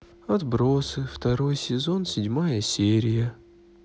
отбросы второй сезон седьмая серия